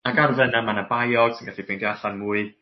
Ac arfer 'na ma' 'na bio ti gallu feindio allan mwy